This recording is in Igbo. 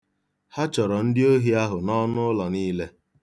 Ha chọrọ ndị ohi ahụ n'ọnụụlọ niile.